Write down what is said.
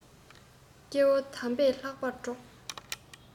སྐྱེ བོ དམ པས ལྷག པར སྒྲོགས